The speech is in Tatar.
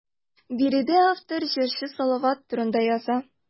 Биредә автор җырчы Салават турында яза.